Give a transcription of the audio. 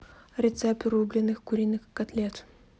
рецепт рубленных куриных котлет